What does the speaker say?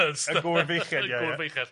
y gŵr feichiaid ie ie. Y gŵr feichiaid.